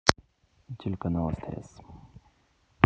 телеканал стс